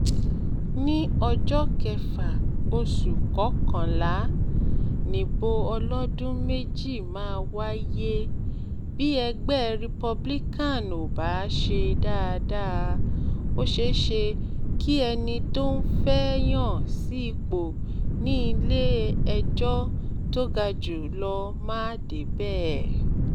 Ní ọjọ kẹfà, oṣù kọkànlá, nìbò ọlọ́dún mẹ́jì máa wáye, Bí egbẹ́ Republican ‘ò bá se dáadáa, ó ṣeéṣe kí ẹni t’ọ́n fẹ́ yàn sí ipo ní ilé-ẹjọ́ to ga jùlọ má débẹ̀.